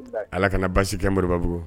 Ala kana basi kɛnmobabugu